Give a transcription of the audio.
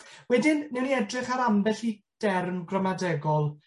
Wedyn newn ni edrych ar ambell i derm gramadegol